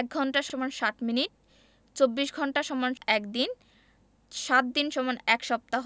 ১ঘন্টা = ৬০ মিনিট ২৪ ঘন্টা = ১ দিন ৭ দিন = ১ সপ্তাহ